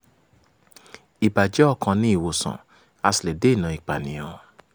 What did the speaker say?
Ìbàjẹ́ ọkàn ní ìwòsàn, a sì lè dènà ìpànìyàn.